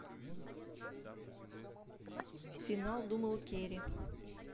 final думал кери